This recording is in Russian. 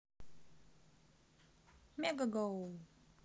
мегаго